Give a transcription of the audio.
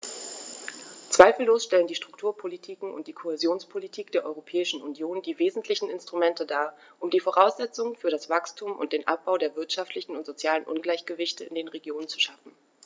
Zweifellos stellen die Strukturpolitiken und die Kohäsionspolitik der Europäischen Union die wesentlichen Instrumente dar, um die Voraussetzungen für das Wachstum und den Abbau der wirtschaftlichen und sozialen Ungleichgewichte in den Regionen zu schaffen.